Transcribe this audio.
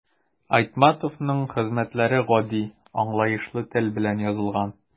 Айтматовның хезмәтләре гади, аңлаешлы тел белән язылган.